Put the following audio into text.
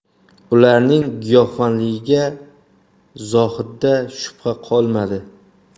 ularning giyohvandligiga zohidda shubha qolmadi